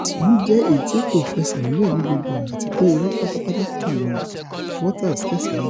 Ẹ̀sùn yìí jẹ èyití kò fẹsẹ̀múlẹ̀ ní gbogbo ọ̀nà àtipé irọ́ pátápátá kan ni,'' Waters tẹ̀síwájú.